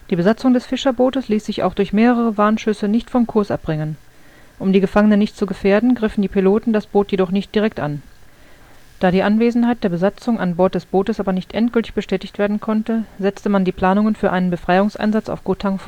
Besatzung des Fischerbootes ließ sich auch durch mehrere Warnschüsse nicht vom Kurs abbringen. Um die Gefangenen nicht zu gefährden, griffen die Piloten das Boot jedoch nicht direkt an. Da die Anwesenheit der Besatzung an Bord des Boots aber nicht endgültig bestätigt werden konnte, setzte man die Planungen für einen Befreiungseinsatz auf Koh Tang